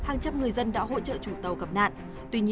hàng trăm người dân đã hỗ trợ chủ tàu gặp nạn tuy nhiên